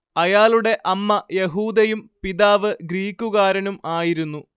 അയാളുടെ അമ്മ യഹൂദയും പിതാവ് ഗ്രീക്കുകാരനും ആയിരുന്നു